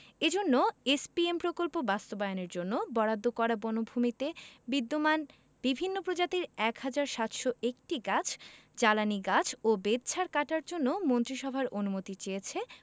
এজন্য এসপিএম প্রকল্প বাস্তবায়নের জন্য বরাদ্দ করা বনভূমিতে বিদ্যমান বিভিন্ন প্রজাতির ১ হাজার ৭০১টি গাছ জ্বালানি গাছ ও বেতঝাড় কাটার জন্য মন্ত্রিসভার অনুমতি চেয়েছে